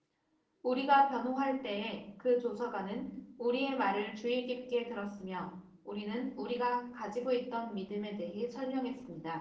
우리가 변호할 때에 그 조사관은 우리의 말을 주의 깊이 들었으며 우리는 우리가 가지고 있던 믿음에 대해 설명했습니다